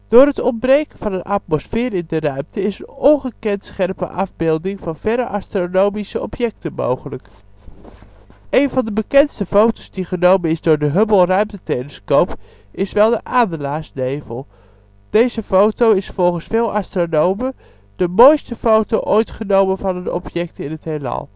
Door het ontbreken van een atmosfeer in de ruimte is een ongekend scherpe afbeelding van verre astronomische objecten mogelijk. Eén van de bekendste foto 's die genomen is door de Hubble-ruimtetelescoop is van de ' Adelaarsnevel ', deze foto is volgens veel astronomen de mooiste foto ooit genomen van een object in het heelal